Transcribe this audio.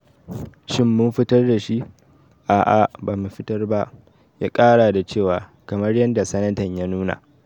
Shin mun fitar dashi... A'a, ba mu fitar ba, "ya kara da cewa, kamar yadda sanatan ya nuna.